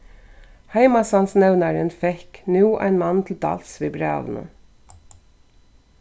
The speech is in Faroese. heimasandsnevnarin fekk nú ein mann til dals við brævinum